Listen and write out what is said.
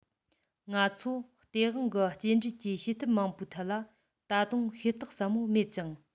ང ཚོ སྟེས དབང གི སྐྱེལ འདྲེན གྱི བྱེད ཐབས མང པོའི ཐད ལ ད དུང ཤེས རྟོགས ཟབ མོ མེད ཅིང